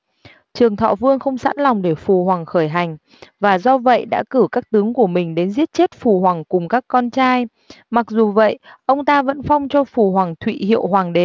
trường thọ vương không sẵn lòng để phù hoằng khởi hành và do vậy đã cử các tướng của mình đến giết chết phù hoằng cùng các con trai mặc dù vậy ông ta vẫn phong cho phùng hoằng thụy hiệu hoàng đế